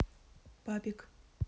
папик